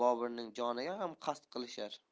boburning joniga ham qasd qilishar